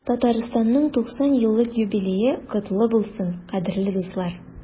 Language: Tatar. Татарстанның 90 еллык юбилее котлы булсын, кадерле дуслар!